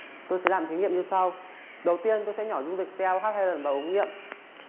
tôi sẽ làm thí nghiệm như sau đầu tiên tôi sẽ nhỏ dung dịch xê a ô hát hai lần vào ống nghiệm